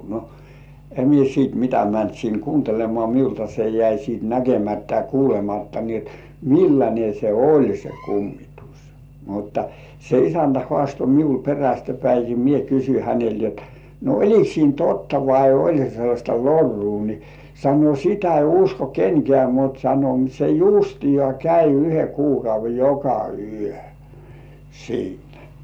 no en minä sitten mitä mennyt sinne kuuntelemaan minulta se jäi sitten näkemättä ja kuulematta niin että millainen se oli se kummitus mutta se isäntä haastoi minulle perästä päin minä kysyin häneltä jotta no oliko siinä totta vai oli se sellaista lorua niin sanoi sitä ei usko kenkään mutta sanoi se justiaan kävi yhden kuukauden joka yö siinä